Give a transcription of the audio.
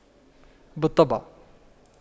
بالطبع